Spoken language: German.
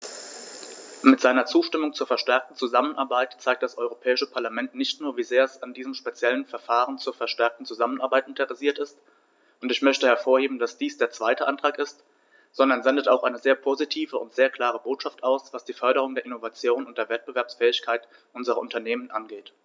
Mit seiner Zustimmung zur verstärkten Zusammenarbeit zeigt das Europäische Parlament nicht nur, wie sehr es an diesem speziellen Verfahren zur verstärkten Zusammenarbeit interessiert ist - und ich möchte hervorheben, dass dies der zweite Antrag ist -, sondern sendet auch eine sehr positive und sehr klare Botschaft aus, was die Förderung der Innovation und der Wettbewerbsfähigkeit unserer Unternehmen angeht.